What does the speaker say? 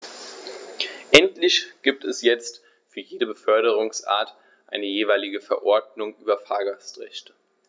Endlich gibt es jetzt für jede Beförderungsart eine jeweilige Verordnung über Fahrgastrechte.